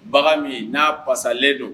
Bagan min n'a fasalen don